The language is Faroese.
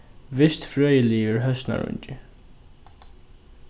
vistfrøðiligur høsnarungi